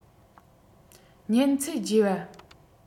གཉན ཚད རྒྱས པ